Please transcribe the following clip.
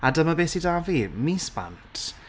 A dyma be sy 'da fi, mis bant!